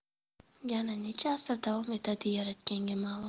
yana necha asr davom etadi yaratganga ma'lum